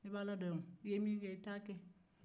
n'i bɛ ala dɔn i ye min kɛ i t'a kɛ